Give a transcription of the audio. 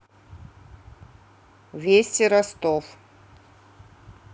вести ростов